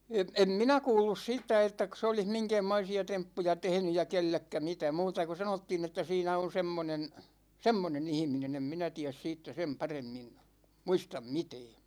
- en minä kuullut siitä ettäkö se olisi minkäänmoisia temppuja tehnyt ja kenellekään mitä muuta kuin sanottiin että siinä on semmoinen semmoinen ihminen en minä tiedä siitä sen paremmin muista mitään